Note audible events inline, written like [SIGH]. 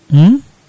[SMACKS LIPS]